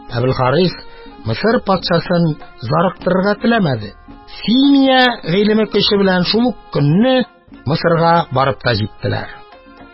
Әбелхарис Мисыр патшасын зарыктырырга теләмәде: симия гыйлеме көче белән шул көнне үк Мисырга барып та җиттеләр.